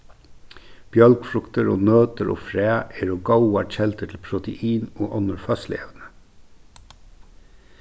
bjølgfruktir og nøtir og fræ eru góðar keldur til protein og onnur føðsluevni